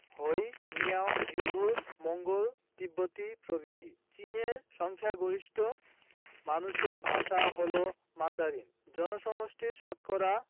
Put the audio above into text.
হুই Miao Uyghur Mongol তিব্বতি প্রভৃতি চীনের সংখ্যাগরিষ্ঠ মানুষের ভাষা হলো মান্দারিন জনসমষ্টির শতকরা